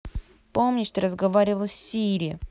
помнишь ты разговаривал с сири